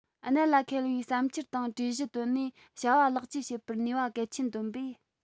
གནད ལ འཁེལ བའི བསམ འཆར དང གྲོས གཞི བཏོན ནས བྱ བ ལེགས བཅོས བྱེད པར ནུས པ གལ ཆེན བཏོན པས